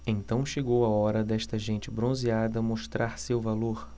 então chegou a hora desta gente bronzeada mostrar seu valor